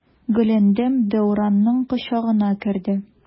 Гөләндәм Дәүранның кочагына керде.